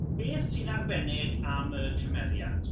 beth sy'n arbennig am y cymeriad?